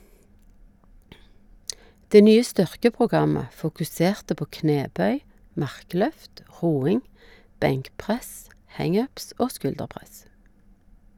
Det nye styrkeprogrammet fokuserte på knebøy, markløft, roing, benkpress, hang ups og skulderpress.